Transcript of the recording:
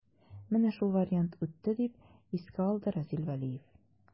Менә шул вариант үтте, дип искә алды Разил Вәлиев.